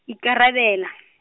ikarabela.